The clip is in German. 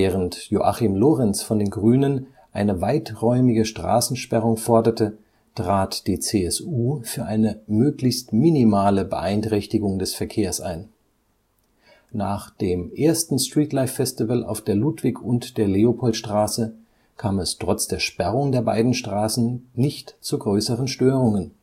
Während Joachim Lorenz von den Grünen eine weiträumige Straßensperrung forderte, trat die CSU für eine möglichst minimale Beeinträchtigung des Verkehrs ein. Nach dem ersten Streetlife Festival auf der Ludwig - und der Leopoldstraße kam es trotz der Sperrung der beiden Straßen nicht zu größeren Störungen